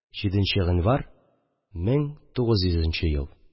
7 нче гыйнвар, 1900 ел